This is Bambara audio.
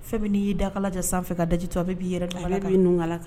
Fɛn b'i'i da kala jan sanfɛ ka daji to a bɛɛ b'i yɛrɛ ka kan